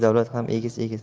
davlat ham egiz egiz